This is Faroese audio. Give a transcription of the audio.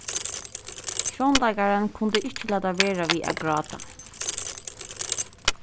sjónleikarin kundi ikki lata vera við at gráta